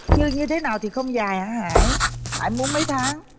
như như thế nào thì không dài hả hải hải muốn mấy tháng